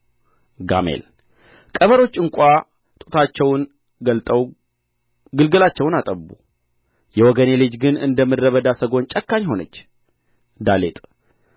ጋሜል ቀበሮች እንኳ ጡቶታቸውን ገልጠው ግልገሎቻቸውን አጠቡ የወገኔ ልጅ ግን እንደ ምድረ በዳ ሰጐን ጨካኝ ሆነች ዳሌጥ